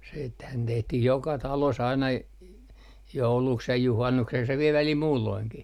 sittenhän tehtiin joka talossa aina - jouluksi ja juhannukseksi ja vielä välillä muulloinkin